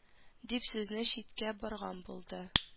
Дип сүзне читкә борган булды